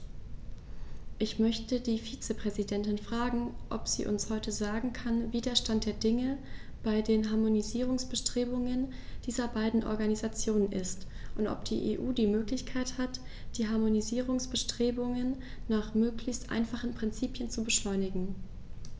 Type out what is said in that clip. Ich möchte die Vizepräsidentin fragen, ob sie uns heute sagen kann, wie der Stand der Dinge bei den Harmonisierungsbestrebungen dieser beiden Organisationen ist, und ob die EU die Möglichkeit hat, die Harmonisierungsbestrebungen nach möglichst einfachen Prinzipien zu beschleunigen.